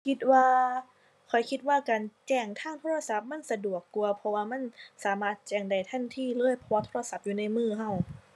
คิดว่า ข้อยคิดว่าการแจ้งทางโทรศัพท์มันสะดวกกว่า เพราะว่ามันสามารถแจ้งได้ทันทีเลย เพราะว่าโทรศัพท์อยู่ในมือเรา